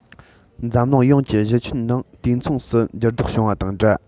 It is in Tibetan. འཛམ གླིང ཡོངས ཀྱི གཞི ཁྱོན ནང དུས མཚུངས སུ འགྱུར ལྡོག བྱུང བ དང འདྲ